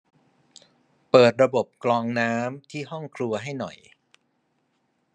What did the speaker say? เปิดระบบกรองน้ำที่ห้องครัวให้หน่อย